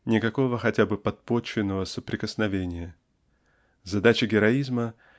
никакого хотя бы подпочвенного соприкосновения. Задача героизма